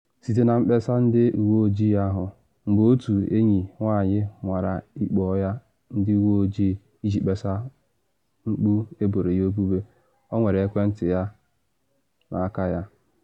Site na mkpesa ndị uwe ojii ahụ, mgbe otu enyi nwanyị nwara ịkpọ ndị uwe ojii iji kpesa mpụ eboro na ebubo, ọ were ekwentị ya n’aka ya.